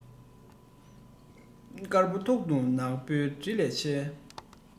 དཀར པོའི ཐོག ཏུ ནག པོའི བྲིས ཆ གསལ